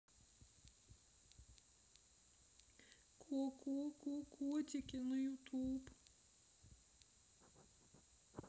кокококотики ютуб